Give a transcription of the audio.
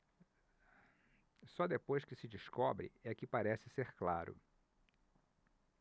só depois que se descobre é que parece ser claro